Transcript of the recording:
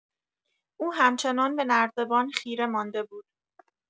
او همچنان به نردبان خیره مانده بود.